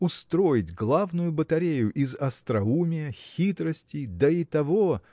устроить главную батарею из остроумия хитрости да и того.